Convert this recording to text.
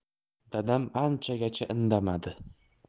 dadam anchagacha indamadi